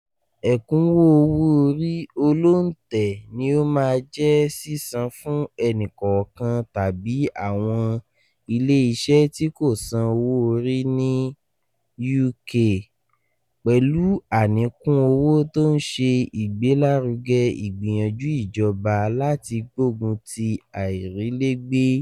Ẹ̀kúnwó owó orí olóǹtẹ̀ ní ó máa jẹ́ sísan fún ẹnìkọ̀ọ̀kan tàbí àwọn ile iṣẹ́ tí kò san owó orí ní UK, pẹ̀lú àníkún owó tí ó ń ṣe ìgbélárugẹ ìgbìyànjú ìjọba láti gbogun ti àìrílégbé.